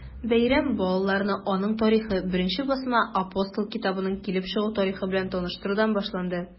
Бәйрәм балаларны аның тарихы, беренче басма “Апостол” китабының килеп чыгу тарихы белән таныштырудан башланды.